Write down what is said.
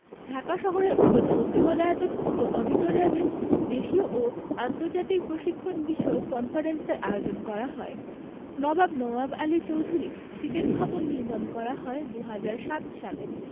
ঢাকা শহরের অন্যতম বৃহদায়তন উক্ত অডিটোরিয়ামে দেশীয় ও আন্তর্জাতিক প্রশিক্ষণ বিষয়ক কনফারেন্সের আয়োজন করা হয় নবাব নওয়াব আলী চৌধুরী সিনেটভবন নির্মাণ করা হয় ২০০৭ সালে